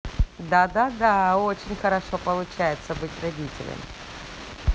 да да да очень хорошо получается быть родителями